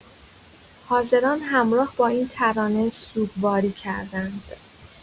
حاضران همراه با این ترانه سوگواری کردند.